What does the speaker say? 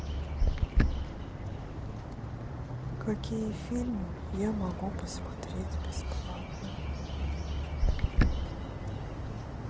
какие фильмы я могу посмотреть бесплатно